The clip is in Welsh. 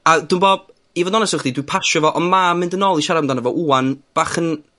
A, dw'bo, i fod yn onast efo chdi dwi;n pasio fo, ond ma' mynd yn ôl i siarad amdano ŵan, bach yn,